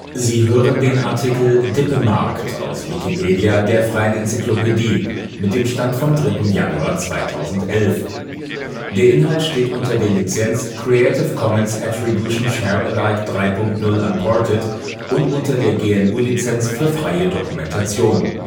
Sie hören den Artikel Dippemarkt, aus Wikipedia, der freien Enzyklopädie. Mit dem Stand vom Der Inhalt steht unter der Lizenz Creative Commons Attribution Share Alike 3 Punkt 0 Unported und unter der GNU Lizenz für freie Dokumentation